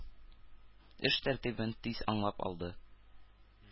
Эш тәртибен тиз аңлап алды.